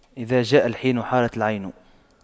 إذا جاء الحين حارت العين